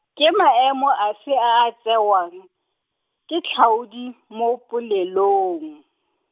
ke maemo afe a a tsewang, ke tlhaodi mo polelong.